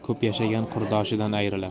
ko'p yashagan qurdoshidan ayrilar